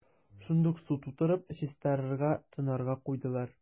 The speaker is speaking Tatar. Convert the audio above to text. Шунда ук су тутырып, чистарырга – тонарга куйдылар.